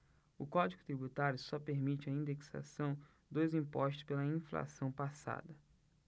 o código tributário só permite a indexação dos impostos pela inflação passada